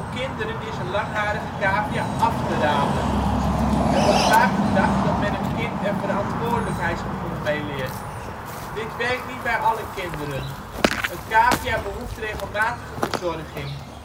kinderen is een langharige cavia af te raden. Er wordt vaak gedacht dat men een kind er ' verantwoordelijkheidsgevoel ' mee leert. Dit werkt niet bij alle kinderen zo. Een cavia behoeft regelmatige verzorging. Dit dient te